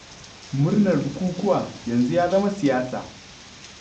Murnar bukukuwa yanzu ya zama siyasa.